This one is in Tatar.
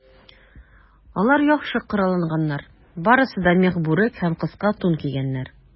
Алар яхшы коралланганнар, барысы да мех бүрек һәм кыска тун кигәннәр.